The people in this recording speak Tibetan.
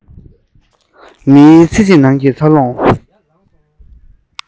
མིའི ཚེ གཅིག ནང གྱི འཚར ལོངས